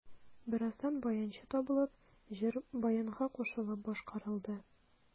Бераздан баянчы табылып, җыр баянга кушылып башкарылды.